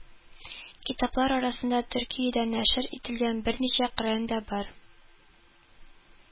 Китаплар арасында Төркиядә нәшер ителгән берничә Коръән дә бар